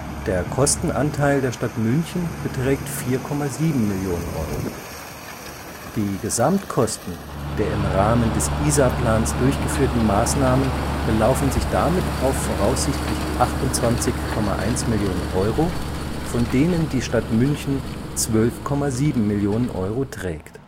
der Kostenanteil der Stadt München beträgt 4,7 Millionen Euro. Die Gesamtkosten der im Rahmen des Isar-Plans durchgeführten Maßnahmen belaufen sich damit auf voraussichtlich 28,1 Millionen Euro, von denen die Stadt München 12,7 Millionen Euro trägt